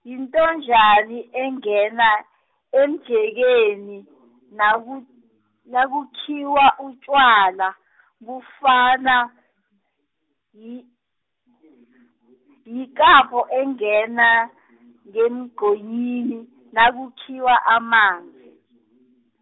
yintonyani engena, emjekeni, naku- nakukhiwa utjwala , kufana, yi- yikapho engena ngemgqonyini nakukhiwa amanzi.